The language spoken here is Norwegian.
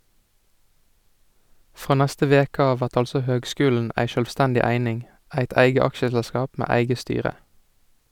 Frå neste veke av vert altså høgskulen ei sjølvstendig eining , eit eige aksjeselskap med eige styre.